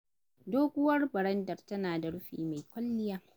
Doguwar barandar tana da rufi mai kwalliya.